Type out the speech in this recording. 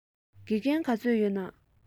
དགེ རྒན ག ཚོད ཡོད ན